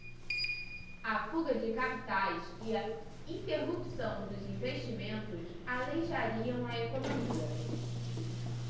a fuga de capitais e a interrupção dos investimentos aleijariam a economia